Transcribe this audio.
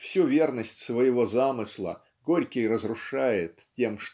всю верность своего замысла Горький разрушает тем